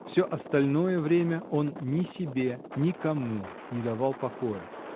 все остальное время он ни себе, никому не давал покоя.